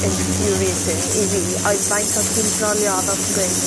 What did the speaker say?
infuriating i fi oedd faint oedd hi'n brolio, a fel ti'n gweud,